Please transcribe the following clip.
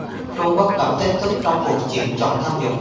trung quốc gặp thách thức trong cuộc chiến chống tham nhũng